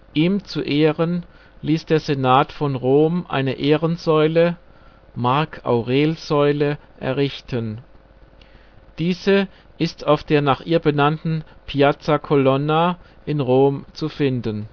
Ihm zur Ehren ließ der Senat von Rom eine Ehrensäule (Mark-Aurel-Säule) errichten. Diese ist auf der nach ihr benannten Piazza Colonna in Rom zu finden